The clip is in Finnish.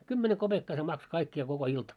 kymmenen kopeekkaa se maksoi kaikkia koko ilta